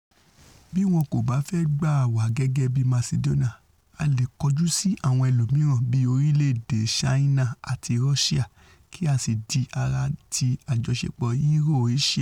Bí wọn kòbá fẹ́ gbà wá gẹ́gẹ́bí Masidóníà, a leè kọjú sí àwọn ẹlòmíràn bíi orílẹ̀-èdè Ṣáínà àti Rọ́síà kí á sì dí ara ti àjọṣepọ̀ Euro-Asia.